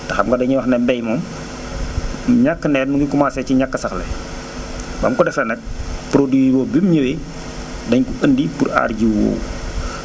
te xam nga dañuy wax ne mbay moom ñàkk a nawet mu ngi commencé si ñàkk a saxle bañ ko defee nag produits boobu bi mu ñëwee dañ ko indi pour aar jiwu boobu